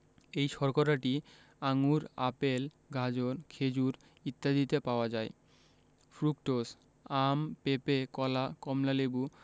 এই শর্করাটি আঙুর আপেল গাজর খেজুর ইত্যাদিতে পাওয়া যায় ফ্রুকটোজ আম পেপে কলা কমলালেবু